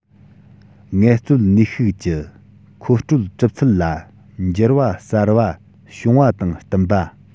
ངལ རྩོལ ནུས ཤུགས ཀྱི མཁོ སྤྲོད གྲུབ ཚུལ ལ འགྱུར བ གསར པ བྱུང བ དང བསྟུན པ